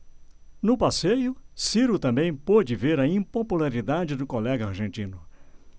no passeio ciro também pôde ver a impopularidade do colega argentino